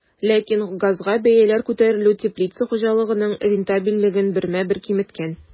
Ләкин газга бәяләр күтәрелү теплица хуҗалыгының рентабельлеген бермә-бер киметкән.